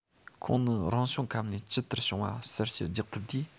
ཁོངས ནི རང བྱུང ཁམས ལས ཇི ལྟར བྱུང བ གསལ བཤད རྒྱག ཐུབ དུས